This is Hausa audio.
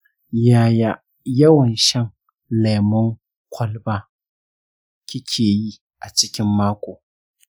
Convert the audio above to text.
yaya yawan shan lemun kwalba kike yi a cikin mako?